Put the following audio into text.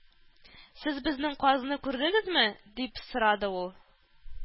"сез безнең казны күрдегезме" дип сорады ул